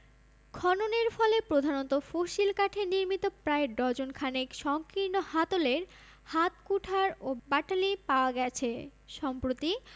খননের ফলে প্রধানত ফসিল কাঠে নির্মিত প্রায় ডজন খানেক সঙ্কীর্ণ হাতলের হাত কুঠার ও বাটালি পাওয়া গেছে সম্প্রতি